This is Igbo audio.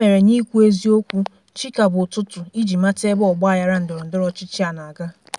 Ya mere n'ikwu eziokwu chi ka bụ ụtụtụ iji mata ebe ọgbaghara ndọrọndọrọ ọchịchị a na-aga.